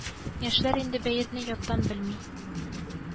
Яшьләр инде бәетне яттан белми